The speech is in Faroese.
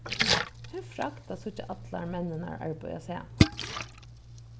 ein fragd at síggja allar menninar arbeiða saman